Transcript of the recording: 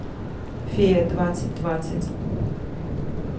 фея двадцать двадцать